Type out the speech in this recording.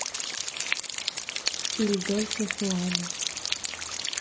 иль дольче суана